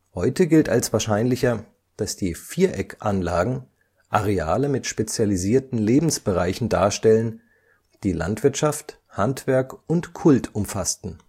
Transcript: Heute gilt als wahrscheinlicher, dass die Viereckanlagen Areale mit spezialisierten Lebensbereichen darstellen, die Landwirtschaft, Handwerk und Kult umfassten